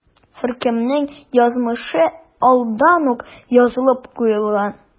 Һәркемнең язмышы алдан ук язылып куелган.